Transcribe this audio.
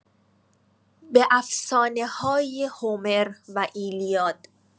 به افسانه‌های هومر و ایلیاد.